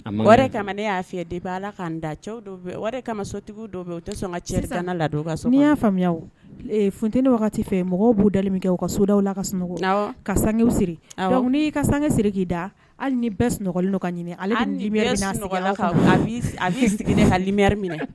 A kama ne y'a fɛ de b'a la ka da cɛw kama sotigiw dɔ o tɛ sɔn cɛ la n'i y'a faamuya funt wagati fɛ mɔgɔw b'u dalen kɛ u ka sodaw la ka sunɔgɔ ka sanw siri n y'i ka san siri k'i da hali ni bɛɛ sunɔgɔ ka ɲini hali a sigi mimiri minɛ